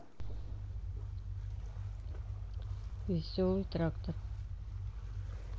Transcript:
веселый трактор